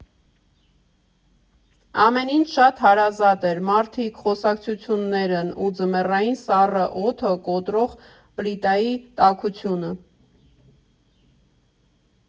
Ամեն ինչ շատ հարազատ էր, մարդիկ, խոսակցություններն ու ձմեռային սառը օդը կոտրող պլիտայի տաքությունը։